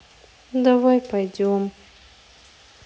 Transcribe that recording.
давай пойдем